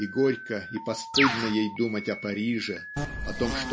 и горько и постыдно ей думать о Париже о том